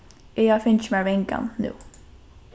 eg havi fingið mær vangan nú